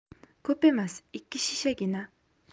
ko'p emas ikki shishagina